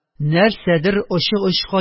Нәрсәдер очы очка